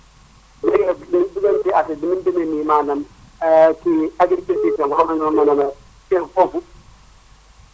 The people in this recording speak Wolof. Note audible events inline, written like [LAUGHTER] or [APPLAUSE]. [NOISE] lieu bi ni mu dugal si affaire bi ni mu demee nii maanaam [HESITATION] kii agriculture [NOISE] tamit war na ñoo mën a mel seen foofu